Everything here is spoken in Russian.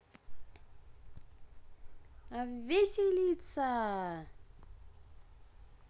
веселиться